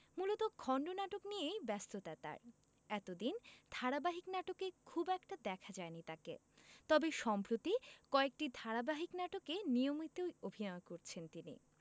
মূলত খণ্ডনাটক নিয়েই ব্যস্ততা তার এতদিন ধারাবাহিক নাটকে খুব একটা দেখা যায়নি তাকে তবে সম্প্রতি কয়েকটি ধারাবাহিক নাটকে নিয়মিতই অভিনয় করছেন তিনি